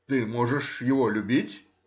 ты можешь его любить?